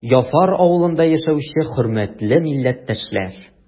Яфар авылында яшәүче хөрмәтле милләттәшләр!